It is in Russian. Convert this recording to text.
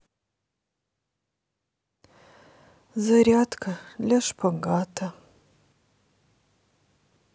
зарядка для шпагата